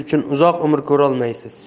uchun uzoq umr ko'rolmaysiz